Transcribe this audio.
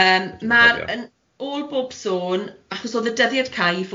Yym ma'r yn ôl bob sôn, achos oedd y dyddiad cae i fod